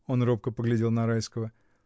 (он робко поглядел на Райского).